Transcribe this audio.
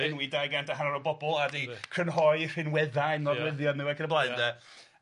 enwi dau gant a hanner o bobol a 'di crynhoi rhinweddau nodweddion nw ac yn y blaen de?